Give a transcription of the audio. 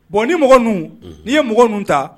Bon ni mɔgɔ ninnu. Ni ye mɔgɔ ninnu ta